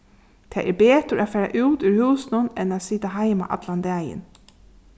tað er betur at fara út úr húsinum enn at sita heima allan dagin